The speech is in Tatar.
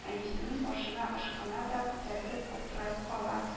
Әнисенең башына ышкына да, күтәрелеп аптырап кала: